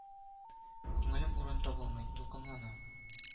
Күңелем урын табалмый, дулкынланам